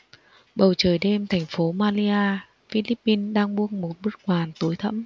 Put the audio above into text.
bầu trời đêm thành phố manila philippines đang buông một bức màn tối thẫm